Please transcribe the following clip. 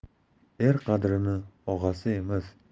er qadrini og'asi